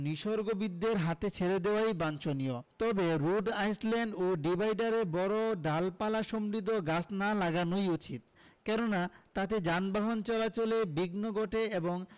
নিসর্গবিদদের হাতে ছেড়ে দেয়াই বাঞ্ছনীয় তবে রোড আইছল্যান্ড ও ডিভাইডারে বড় ডালপালাসমৃদ্ধ গাছ না লাগানোই উচিত কেননা তাতে যানবাহন চলাচলে বিঘ্ন ঘটে এবং